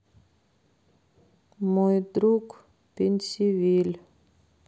мой друг пенсивиль